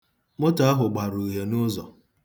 Moto ahụ gbara uhie n'ụzọ.